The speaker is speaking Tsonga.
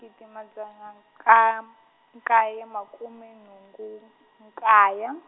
gidi madzana nka- nkaye makume nhungu nkaye.